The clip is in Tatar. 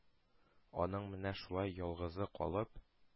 Аның менә шулай, ялгызы калып,